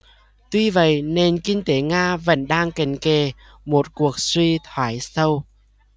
tuy vậy nền kinh tế nga vẫn đang cận kề một cuộc suy thoái sâu